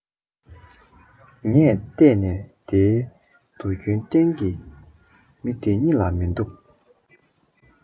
ངས ལྟས ནས འདིའི དུ རྒྱུན ཏན གྱི མི འདི གཉིས ལས མི འདུག